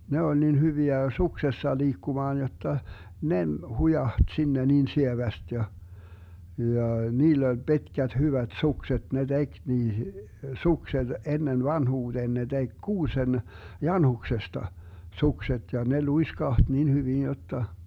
ne oli niin hyviä suksessa liikkumaan jotta ne - hujahti sinne niin sievästi ja ja niillä oli pitkät hyvät sukset ne teki niihin sukset ennen vanhuuteen ne teki kuusen janhuksesta sukset ja ne luiskahti niin hyvin jotta